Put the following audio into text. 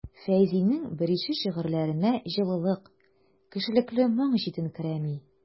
Фәйзинең берише шигырьләренә җылылык, кешелекле моң җитенкерәми.